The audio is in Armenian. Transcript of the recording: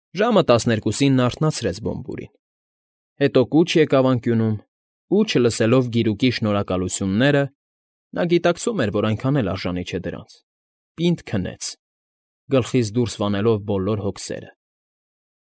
Ժամը տասներկուսին նա արթնացրեց Բոմբուրին, հետո կուչ եկավ անկյունում ու, չլսելով գիրուկի շնորհակալությունները (նա գիտակցում էր, որ այնքան էլ արժանի չէ դրանց), պինդ քնեց, գլխից դուրս վանելով բոլոր հոգսերը։